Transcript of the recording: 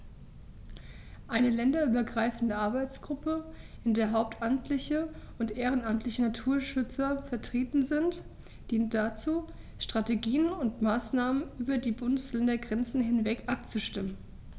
Eine länderübergreifende Arbeitsgruppe, in der hauptamtliche und ehrenamtliche Naturschützer vertreten sind, dient dazu, Strategien und Maßnahmen über die Bundesländergrenzen hinweg abzustimmen.